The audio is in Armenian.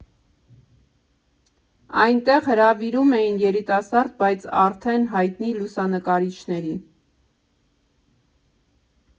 Այնտեղ հրավիրում էին երիտասարդ, բայց արդեն հայտնի լուսանկարիչների։